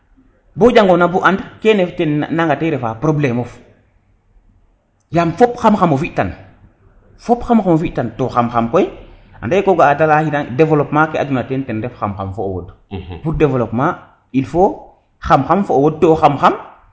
bo jangona bo nad kene ten nanga te refa probleme of yam fop xam xam o fi tan fop xam xam o fitan to xam xam koy ande ko ga a te leya xina developpement ke aduna teen ten ref xam xam fo o wod pour developpement il faut xam xam fo o wod to xam xam